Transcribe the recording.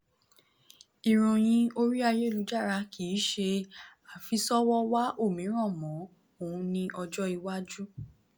Ìròyìn orí ayélujára kìí ṣe àfisọ́wọ́-wá-òmíràn mọ́: òun ni ọjọ́-iwájú.